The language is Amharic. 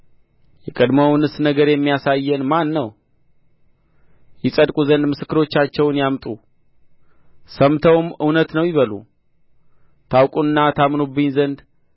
የቀድሞውንስ ነገር የሚያሳየን ማን ነው ይጸድቁ ዘንድ ምስክሮቻቸውን ያምጡ ሰምተውም እውነት ነው ይበሉ ታውቁና ታምኑብኝ ዘንድ